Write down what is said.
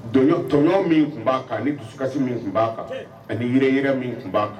Don tɔɔn min tun b'a kan ani dusukasi min tun b'a kan ani yiriy min tun b'a kan